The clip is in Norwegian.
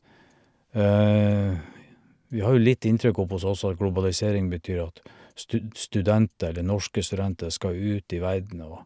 Vi har jo litt inntrykk oppe hos oss, og, at globalisering betyr at stud studenter eller norske studenter skal ut i verden og...